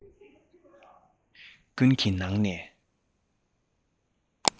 ཀུན གྱི ནང ནས